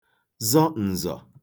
zọ ǹzọ̀